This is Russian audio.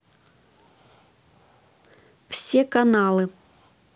все каналы